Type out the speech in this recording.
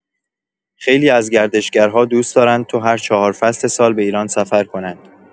خیلی از گردشگرها دوست دارن تو هر چهار فصل سال به ایران سفر کنن